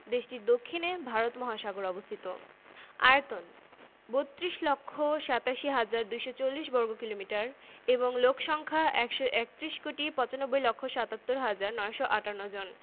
আয়তন প্রায় ৯৫ লক্ষ ৯৮ হাজার ৮৯ বর্গকিলোমিটার আয়তনের দিক থেকে বিশ্বের তৃতীয় বৃহত্তম দেশ এটি ভৌগলিকভাবে ভারত ও রাশিয়ার মাঝখানে দেশটির অবস্থান এর পূর্বে প্রশান্ত মহাসাগর